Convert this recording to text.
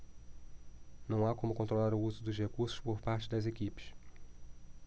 não há como controlar o uso dos recursos por parte das equipes